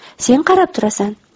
sen qarab turasan